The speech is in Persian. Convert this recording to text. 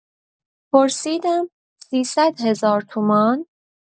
پرسیدم سیصد هزار تومان؟!